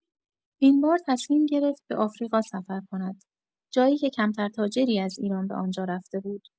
این بار تصمیم گرفت به آفریقا سفر کند، جایی که کمتر تاجری از ایران به آن‌جا رفته بود.